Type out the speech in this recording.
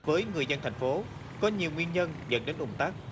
với người dân thành phố có nhiều nguyên nhân dẫn đến ùn tắc